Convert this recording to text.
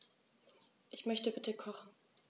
Ich möchte bitte kochen.